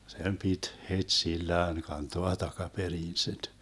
sen piti heti sillään kantaa takaperin sitten